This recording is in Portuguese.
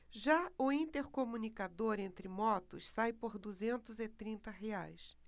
já o intercomunicador entre motos sai por duzentos e trinta reais